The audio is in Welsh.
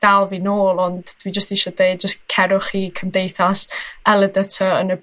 dal fi nôl ond dwi jyst isio deud jys cerwch i cymdeithas el yy dy ty yn y